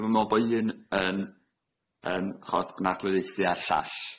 Dwi'm yn me'wl bo' un yn yn ch'od yn arglwyddaethu ar llall.